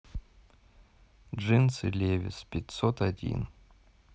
джинсы левис пятьсот один